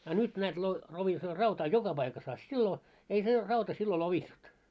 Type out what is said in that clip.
a nyt näet - lovisoo rautaa joka paikassa a silloin ei se rauta silloin lovissut